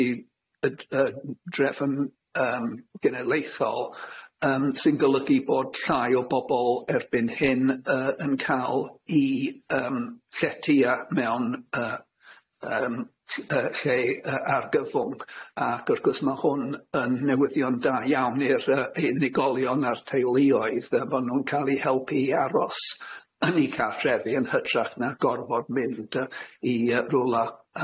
i yy yy drefn yym genedlaethol, yym sy'n golygu bod llai o bobl erbyn hyn yy yn cael i yym lletya mewn yy yym lleu yy argyfwng ac wrth gwrs ma' hwn yn newyddion da iawn i'r yy unigolion a'r teuluoedd yy bod nhw'n cael eu helpu i aros yn eu cartrefi yn hytrach na gorfod mynd yy i yy rywla